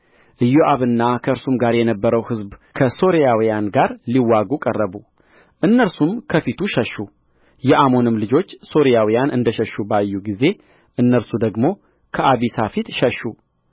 ኢዮአብና ከእርሱም ጋር የነበረው ሕዝብ ከሶርያውያን ጋር ሊዋጉ ቀረቡ እነርሱም ከፊቱ ሸሹ የአሞንም ልጆች ሶርያውያን እንደ ሸሹ ባዩ ጊዜ እነርሱ ደግሞ ከአቢሳ ፊት ሸሹ